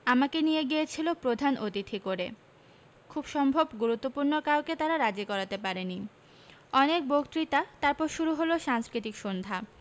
আমাকে নিয়ে গিয়েছিল প্রধান অতিথি করে খুব সম্ভব গুরুত্বপূর্ণ কাউকে তারা রাজি করাতে পারেনি অনেক বক্তৃতা তার পর শুরু হল সাংস্কৃতিক সন্ধ্যা